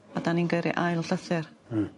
A 'dan ni'n gyrru ail llythyr. Hmm.